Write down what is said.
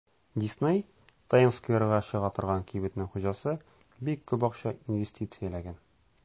Дисней (Таймс-скверга чыга торган кибетнең хуҗасы) бик күп акча инвестицияләгән.